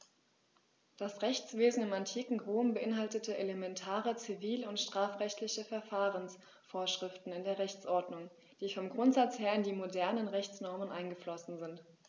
Das Rechtswesen im antiken Rom beinhaltete elementare zivil- und strafrechtliche Verfahrensvorschriften in der Rechtsordnung, die vom Grundsatz her in die modernen Rechtsnormen eingeflossen sind.